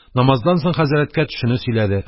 Намаздан соң хәзрәткә төшене сөйләде.